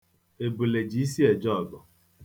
Ebule ji isi eje ọgụ.